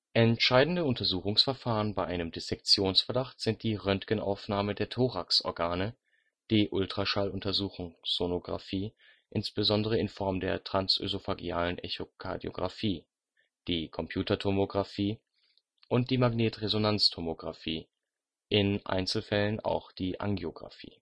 Entscheidende Untersuchungsverfahren bei einem Dissektionsverdacht sind die Röntgenaufnahme der Thoraxorgane, die Ultraschalluntersuchung (Sonografie) insbesondere in Form der transösophagealen Echokardiografie (TEE), die Computertomografie (CT) und die Magnetresonanztomografie (MRT), in Einzelfällen auch die Angiografie